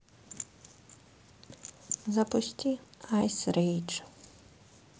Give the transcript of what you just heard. запусти айс рейдж